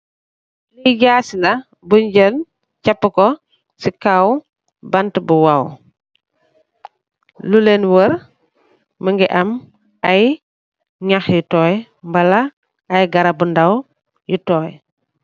Li jààsi la buñ jél capu ko ci kaw bant mu wàw. Lu lèèn war mugii am ay ñax yu toy mbala ay garap bu ndaw yu toy.